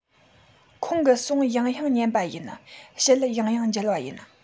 ཁོང གི གསུངས ཡང ཡང ཉན པ ཡིན ཞལ ཡང ཡང མཇལ བ ཡིན